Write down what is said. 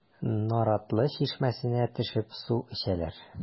Наратлы чишмәсенә төшеп су эчәләр.